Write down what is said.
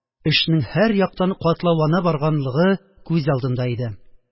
Эшнең һәрьяктан катлаулана барганлыгы күз алдында иде